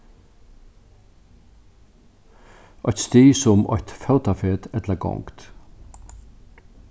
eitt stig sum eitt fótafet ella gongd